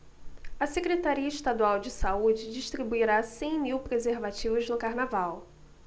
a secretaria estadual de saúde distribuirá cem mil preservativos no carnaval